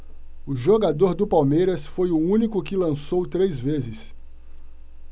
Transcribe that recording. o jogador do palmeiras foi o único que lançou três vezes